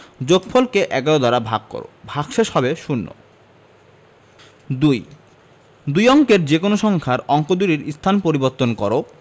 যোগফল কে ১১ দ্বারা ভাগ কর ভাগশেষ হবে শূন্য ২ দুই অঙ্কের যেকোনো সংখ্যার অঙ্ক দুইটির স্থান পরিবর্তন কর